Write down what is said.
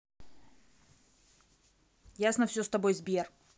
ясно все с тобой сбер